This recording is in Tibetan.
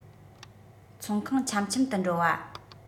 ཚོང ཁང འཆམ འཆམ དུ འགྲོ བ